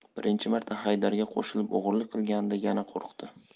birinchi marta haydarga qo'shilib o'g'irlik qilganida yana qo'rqdi